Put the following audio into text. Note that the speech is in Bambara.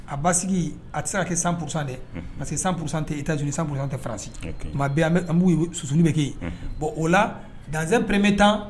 A ba sigi a tɛ ka kɛ sansante se sanurusante i tɛ s sanurusan tɛfasi tuma' susuni bɛ kɛ yen bɔn o la danpreme tan